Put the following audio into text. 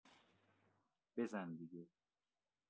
بزن دیگه!